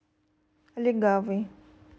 легавый